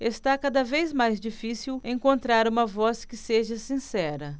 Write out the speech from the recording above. está cada vez mais difícil encontrar uma voz que seja sincera